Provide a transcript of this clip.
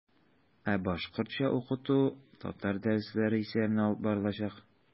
Ә башкортча укыту татар дәресләре исәбенә алып барылачак.